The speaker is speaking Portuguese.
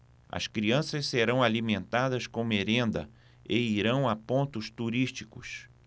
as crianças serão alimentadas com merenda e irão a pontos turísticos